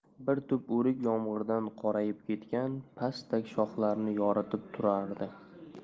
bir tup o'rik yomg'irdan qorayib ketgan pastak shoxlarini yoritib turardi